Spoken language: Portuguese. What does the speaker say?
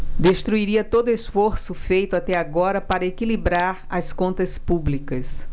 destruiria todo esforço feito até agora para equilibrar as contas públicas